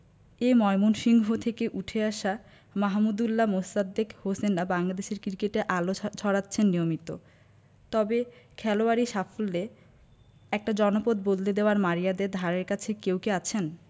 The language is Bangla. এ ময়মনসিংহ থেকে উঠে আসা মাহমুদউল্লাহ মোসাদ্দেক হোসেনরা বাংলাদেশ ক্রিকেটে আলো ছড়াচ্ছেন নিয়মিত তবে খেলোয়াড়ি সাফল্যে একটা জনপদ বদলে দেওয়ার মারিয়াদের ধারেকাছে কেউ কি আছেন